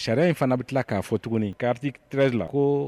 Sariya in fana bɛ tila k'a fɔ tuguni gariti ti la ko